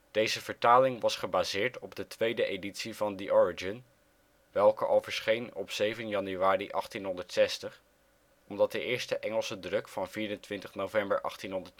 Deze vertaling was gebaseerd op de tweede editie van de Origin, welke al verscheen op 7 Januari 1860 omdat de eerste Engelse druk van 24 november 1859 op